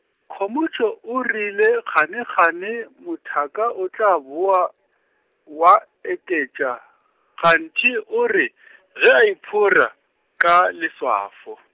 Khomotšo o rile kganekgane mothaka o tla boa, oa eketša, kganthe o re , ge a iphora, ka leswafo.